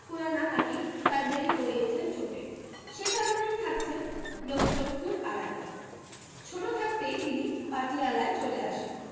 কোয়েনা নাকি সার্জারি করিয়েছেন ঠোঁটে সে কারণেই থাকছেন লোকচক্ষূর আড়ালে ছোট থাকতেই তিনি পাটিয়ালায় চলে আসেন